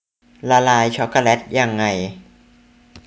ละลายช็อคโกแลตยังไง